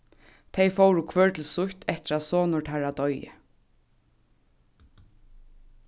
tey fóru hvør til sítt eftir at sonur teirra doyði